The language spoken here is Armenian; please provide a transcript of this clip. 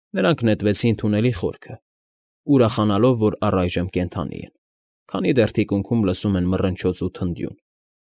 Նրանք նետվեցին թունելի խորքը, ուրախանալով, որ առայժմ կենդանի են, քանի դեռ թիկունքում լսում են մռնչոց ու թնդյուն։